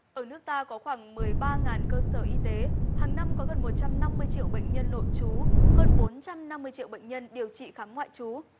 ở nước ta có khoảng mười ba ngàn cơ sở y tế hằng năm có gần một trăm năm mươi triệu bệnh nhân nội trú hơn bốn trăm năm mươi triệu bệnh nhân điều trị khám ngoại trú